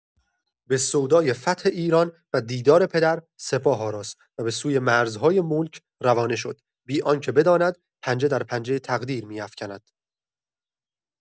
به سودای فتح ایران و دیدار پدر، سپاه آراست و به سوی مرزهای ملک روانه شد، بی‌آنکه بداند، پنجه در پنجه تقدیر می‌افکند.